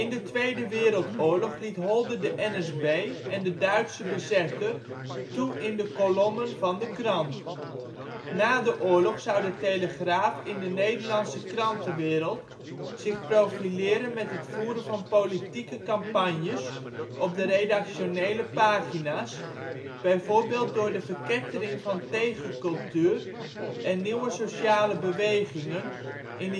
de Tweede Wereldoorlog liet Holdert de NSB en de Duitse bezetter toe in de kolommen van de krant. Na de oorlog zou de Telegraaf in de Nederlandse krantenwereld zich profileren met het voeren van politieke campagnes op de redactionele pagina 's, bijvoorbeeld door de verkettering van tegencultuur en nieuwe sociale bewegingen in